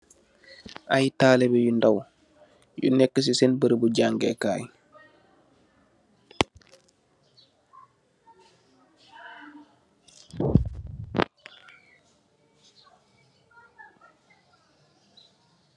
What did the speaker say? Ay talibe yu daaw, yu neka si seen barabu jangeekay